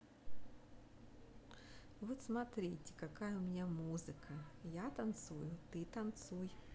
вот смотрите какая у меня музыка я танцую ты танцуй